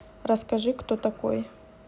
расскажи кто такой